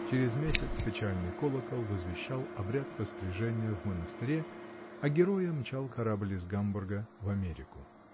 Через месяц печальный колокол возвещал обряд пострижения в монастыре, а героя мчал корабль из Гамбурга в Америку.